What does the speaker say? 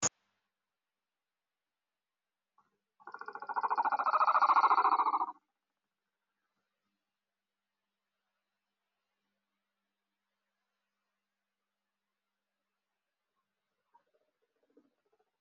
Meeshaan waa iskuul gabdhaha ayaa cashar ku baranaayo oo wata xijaabta cadaan ah cashar iyo qorayaan